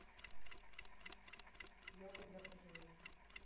йога для пожилых